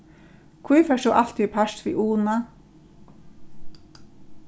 hví fert tú altíð í part við una